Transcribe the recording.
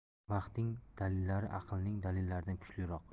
vaqtning dalillari aqlning dalillaridan kuchliroq